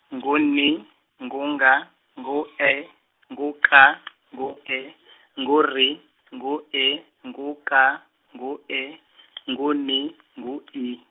ngu N, ngu G, ngu E, ngu K , ngu E, ngu R, ngu E, ngu K, ngu E, ngu N, ngu I.